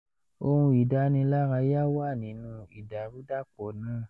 Ohun idanilaraya wa nínú Idarudapọ naa.